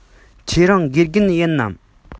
ཁྱེད རང དགེ རྒན ཡིན ནམ